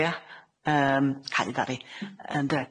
Ia? Yym cau ddaru hi, ynde?